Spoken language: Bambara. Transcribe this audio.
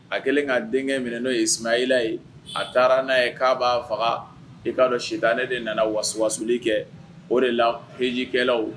A kɛlen ka denkɛ minɛ n'o ye Isimahila ye, a taara n'a ye k'a b'a faga, i k'a dɔn sitanɛ de nana wasuwasuli kɛ o de la hejikɛlaw